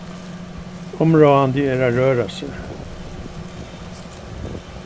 umráðandi er at røra seg